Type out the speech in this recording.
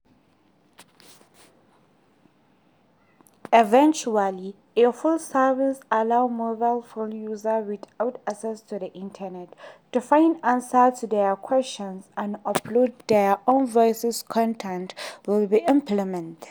Eventually, a full service allowing mobile phone users without access to the Internet to find answers to their questions and upload their own voice content will be implemented.